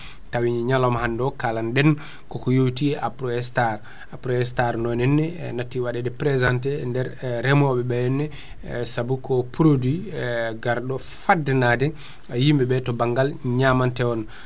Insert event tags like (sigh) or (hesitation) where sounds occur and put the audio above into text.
tawi ñalawma hande o kalanno ɗen (breath) koko yowiti Aprostar (breath) Aprostar non henne (hesitation) natti waɗe présenté e nder (hesitation) reemoɓeɓe henna (breath) (hesitation) saabu ko produit (hesitation) garɗo faddanade yimɓeɓe to bangngal ñamantewon